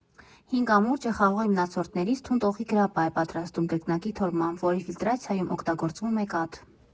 «Հին կամուրջը» խաղողի մնացորդներից թունդ օղի՝գրապպա է պատրաստում՝ կրկնակի թորմամբ, որի ֆիլտրացիայում օգտագործվում է կաթ։